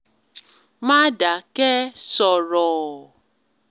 Má dakẹ́ – sọ̀rọ̀.